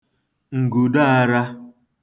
ǹgụ̀doārā